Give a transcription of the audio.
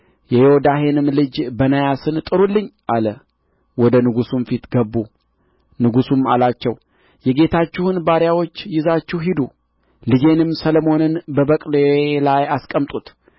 የዮዳሄንም ልጅ በናያስን ጥሩልኝ አለ ወደ ንጉሡም ፊት ገቡ ንጉሡም አላቸው የጌታችሁን ባሪያዎች ይዛችሁ ሂዱ ልጄንም ሰሎሞንን በበቅሎዬ ላይ አስቀምጡት